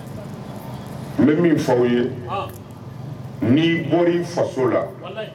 N bɛ min faw ye n' bɔ i faso la